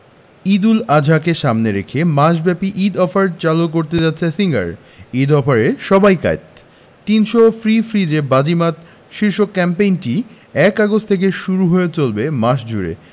ঈদুল আজহাকে সামনে রেখে মাসব্যাপী ঈদ অফার চালু করতে যাচ্ছে সিঙ্গার ঈদ অফারে সবাই কাত ৩০০ ফ্রি ফ্রিজে বাজিমাত শীর্ষক ক্যাম্পেইনটি ১ আগস্ট থেকে শুরু হয়ে চলবে মাস জুড়ে